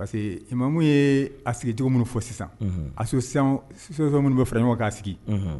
Parce quemu ye a sigi cogo minnu fɔ sisan minnu bɛ fara ɲɔgɔn k'a sigi